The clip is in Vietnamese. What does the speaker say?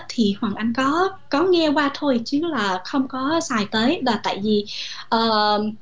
thì hoàng anh có có nghe qua thôi chứ là không có xài tới là tại vì ờ